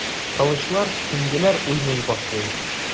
Кылычлар, сөңгеләр уйный башлый.